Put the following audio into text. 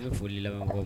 N be foli di lamɛbagaw